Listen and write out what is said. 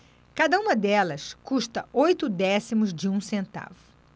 cada uma delas custa oito décimos de um centavo